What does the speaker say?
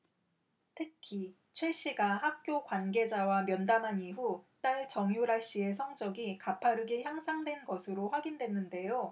특히 최 씨가 학교 관계자와 면담한 이후 딸 정유라 씨의 성적이 가파르게 향상된 것으로 확인됐는데요